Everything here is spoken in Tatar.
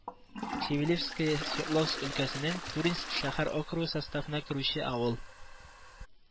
Шевелевское Свердловск өлкәсенең Туринск шәһәр округы составына керүче авыл